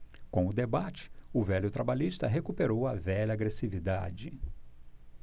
com o debate o velho trabalhista recuperou a velha agressividade